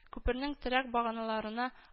Күпернең терәк баганаларына